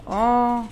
Ɔ